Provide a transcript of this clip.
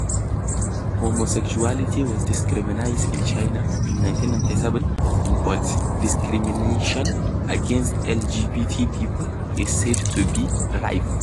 Homosexuality was decriminalized in China in 1997, but discrimination against LGBT people is said to be rife.